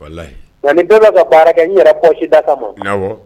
Nka nin bɛɛ bɛ ka baara kɛ n yɛrɛ psi da kama ma